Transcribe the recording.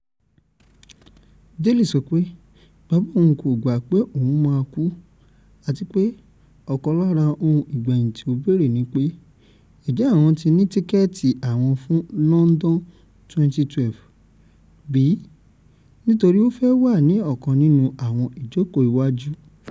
Daley sọ pé bàbá òun kò gbà pé òun máa kú àti pé ọ̀kan lára ohun ìgbẹ̀yìn tí ó bèèrè ni pé ǹjẹ́ àwọn ti ní tíkẹ́ẹ̀tì àwọn fún London 2012 bí - nítórí ó fẹ́ wà ní ọ̀kan nínú àwọn ìjókò ìwájú.